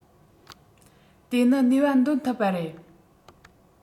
དེ ནི ནུས པ འདོན ཐུབ པ རེད